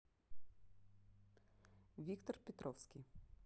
виктор петровский